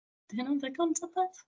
'Di hynna'n ddigon tybed?